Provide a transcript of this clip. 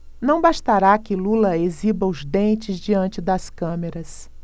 não bastará que lula exiba os dentes diante das câmeras